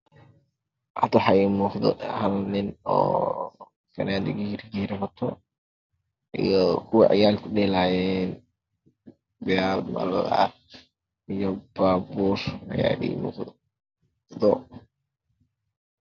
Haga waxa iigamuqdo halnin oo fananad giirgiirwato iyo kuwaciyaalka kudhelayo diyarad madow eh iyo babuur ayaa iimuqdo